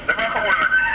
damaa xamul nag